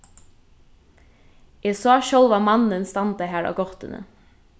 eg sá sjálvan mannin standa har á gáttini